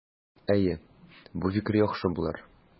Әйе, бу фикер яхшы булыр.